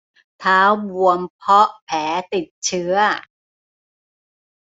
เท้าบวมเพราะแผลติดเชื้อ